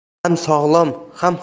ham sog'lom ham